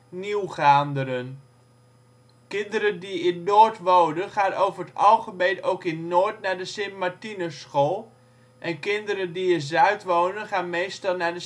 Nieuw-Gaanderen '). Kinderen die in noord wonen gaan over het algemeen ook in noord naar de St. Martinusschool en kinderen die in zuid wonen gaan meestal naar de